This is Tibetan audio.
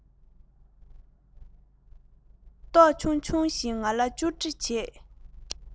མེ ཏོག ཆུང ཆུང ཞིག ང ལ ཅོ འདྲི བྱེད